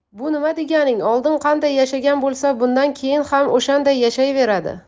bu nima deganing oldin qanday yashagan bo'lsa bundan keyin ham o'shanday yashayveradi